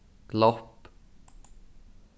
glopp